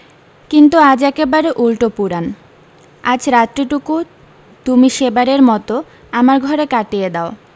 কিন্তু আজ একেবারে উল্টো পুরাণ আজ রাত্রিটুকু তুমি সেবারের মতো আমার ঘরে কাটিয়ে দাও